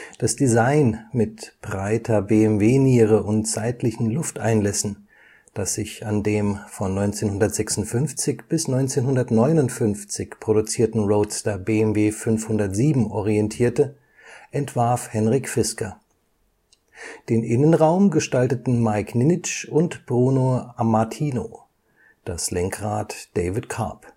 Das Design mit breiter BMW-Niere und seitlichen Lufteinlässen, das sich an dem von 1956 bis 1959 produzierten Roadster BMW 507 orientierte, entwarf Henrik Fisker. Den Innenraum gestalteten Mike Ninic und Bruno Amatino, das Lenkrad David Carp